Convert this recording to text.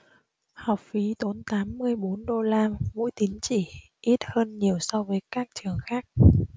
học phí tốn tám mươi bốn đô la mỗi tín chỉ ít hơn nhiều so với các trường khác